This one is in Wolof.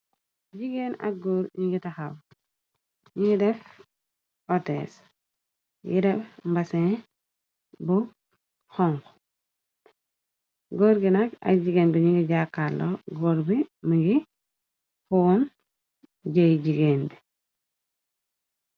jigéen ak góor ñingi taxaw, ñingi def otes yiree mbasin bu xonxu, goor bi nak ak jigéen bi nungi jàkkaarloo, góor bi mi ngi foon jëy jigéen bi.